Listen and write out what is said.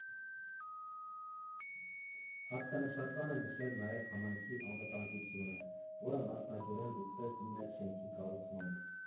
Հատկանշական է նշել նաև համայնքի անվտանգությունը, որը մասնակիորեն լուծվեց նույն այդ շենքի կառուցմամբ։